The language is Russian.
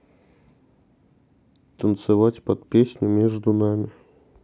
танцевать под песню между нами